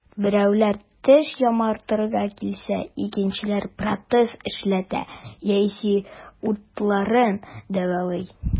Берәүләр теш яматырга килсә, икенчеләр протез эшләтә яисә уртларын дәвалый.